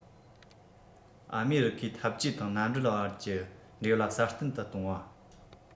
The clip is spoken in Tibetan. ཨ མེ རི ཁའི འཐབ ཇུས དང མནའ འབྲེལ གྱི འབྲེལ བ སྲ བརྟན དུ གཏོང བ